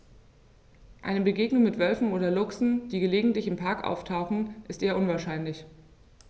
Eine Begegnung mit Wölfen oder Luchsen, die gelegentlich im Park auftauchen, ist eher unwahrscheinlich.